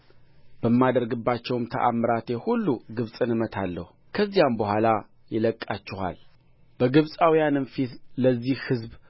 በማደርግባቸውም ተአምራቴ ሁሉ ግብፅን እመታለሁ ከዚያም በኋላ ይለቅቃችኋል በግብፃውያንም ፊት ለዚህ ሕዝብ